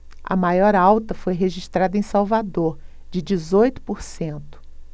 a maior alta foi registrada em salvador de dezoito por cento